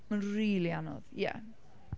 Mae'n rili anodd. Ie.